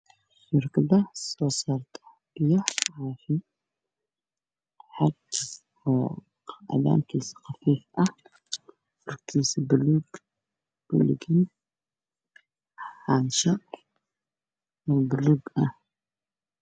Waa meesha lagu sameeyo biyaha caafiga